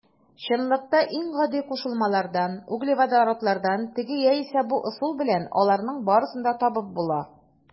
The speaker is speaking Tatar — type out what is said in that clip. Чынлыкта иң гади кушылмалардан - углеводородлардан теге яисә бу ысул белән аларның барысын да табып була.